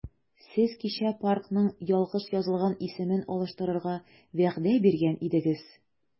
Сез кичә паркның ялгыш язылган исемен алыштырырга вәгъдә биргән идегез.